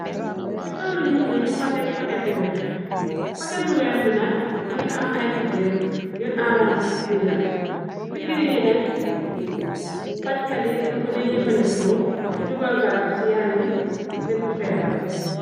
Ci kawlu ñuul li ñyung fa tek paket bu weex paket bu weex bi nak mi nga am ay pikkir yuon oranse ci biiram pikkir yi nak faj katyi den ko dey jëfandikoo di dugal garap ci yarami nit ku feebar.